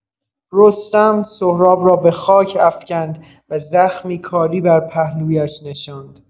رستم، سهراب را به خاک افکند و زخمی کاری بر پهلویش نشاند.